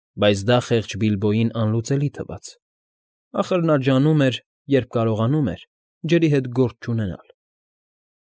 Բայց դա խեղճ Բիլբոյին անլուծելի թվաց, ախր նա ջանում էր, երբ կարողանում էր, ջրի հետ գործ չունենալ։